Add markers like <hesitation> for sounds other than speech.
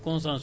<hesitation> <hesitation>